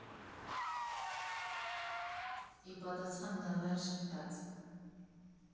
Ի պատասխան նա լայն ժպտաց.